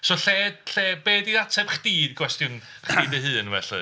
So lle lle... be 'di ateb chdi i gwestiwn chdi dy hun felly?